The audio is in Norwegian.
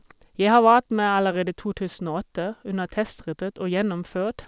Jeg har vært med allerede to tusen og åtte, under testrittet, og gjennomført.